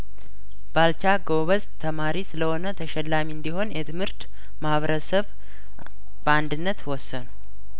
ባልቻ ጐበዝ ተማሪ ስለሆነ ተሸላሚ እንዲሆን የትምህርት ማህበረሰብ በአንድነት ወሰኑ